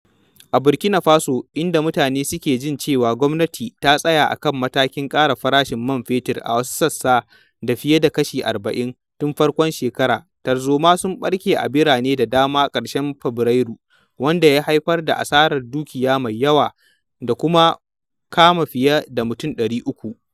A Burkina Faso, inda mutane suke jin cewa gwamnati ta tsaya akan matakin ƙara farashin man fetur a wasu sassa da fiye da kashi 40% tun farkon shekarar, tarzoma sun ɓarke a birane da dama a ƙarshen Fabrairu, wanda ya haifar da asarar dukiya mai yawa da kuma kama fiye da mutum 300.